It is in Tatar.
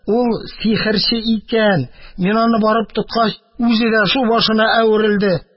Ул сихерче икән, мин аны барып тоткач, үзе дә субашына әверелде.